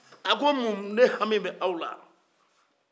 a ko mun den hami bɛ aw la